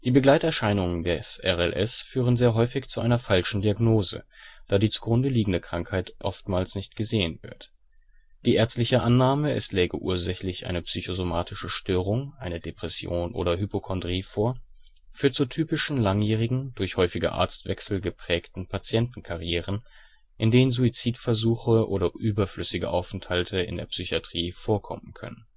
Begleiterscheinungen des RLS führen sehr häufig zu einer falschen Diagnose, da die zugrundeliegende Krankheit oftmals nicht gesehen wird. Die ärztliche Annahme, es läge ursächlich eine psychosomatische Störung, eine Depression oder Hypochondrie vor, führt zu typischen langjährigen, durch häufige Arztwechsel geprägten „ Patientenkarrieren “, in denen Suizidversuche oder überflüssige Aufenthalte in der Psychiatrie vorkommen können